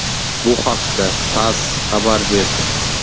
bu haqda tass xabar berdi